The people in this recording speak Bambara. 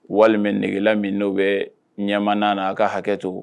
Walima negela min bɛ ɲana na a ka hakɛ to.